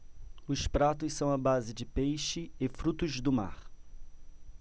os pratos são à base de peixe e frutos do mar